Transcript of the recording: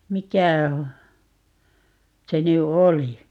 mikä - se nyt oli